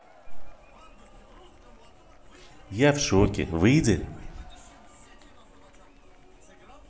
я в шоке выйди